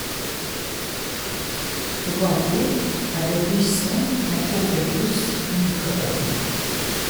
På babord er det bysse med kokebluss og mikroovn.